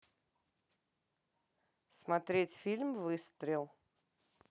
смотреть фильм выстрел